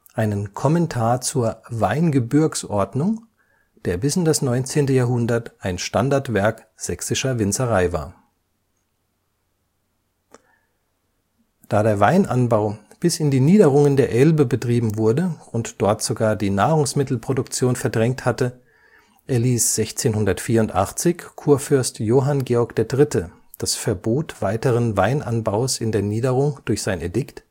einen Kommentar zur Weingebürgsordnung, der bis in das 19. Jahrhundert ein Standardwerk sächsischer Winzerei war. Da der Weinanbau bis in die Niederungen der Elbe betrieben wurde und dort sogar die Nahrungsmittelproduktion verdrängt hatte, erließ 1684 Kurfürst Johann Georg III. das Verbot weiteren Weinanbaus in der Niederung durch sein Edikt